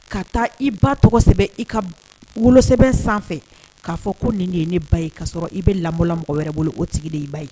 Ka taa i ba kosɛbɛ i ka golosɛ sanfɛ k'a fɔ ko nin de ye ne ba ye ka sɔrɔ i bɛ labla mɔgɔ wɛrɛ bolo o tigi i ba ye